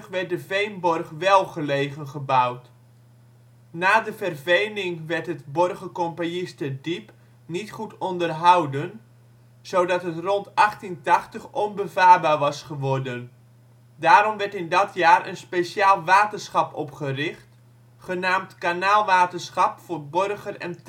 werd de veenborg " Welgelegen " gebouwd. Na de vervening werd het Borgercompagniesterdiep niet goed onderhouden zodat het rond 1880 onbevaarbaar was geworden. Daarom werd in dat jaar een speciaal waterschap opgericht, genaamd Kanaalwaterschap voor Borger-en